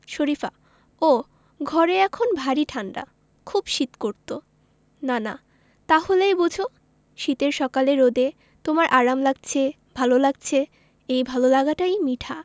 শরিফা ওহ ঘরে এখন ভারি ঠাণ্ডা খুব শীত করত নানা তা হলেই বোঝ শীতের সকালে রোদে তোমার আরাম লাগছে ভালো লাগছে এই ভালো লাগাটাই মিঠা